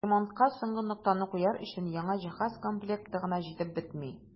Ремонтка соңгы ноктаны куяр өчен яңа җиһаз комплекты гына җитеп бетми.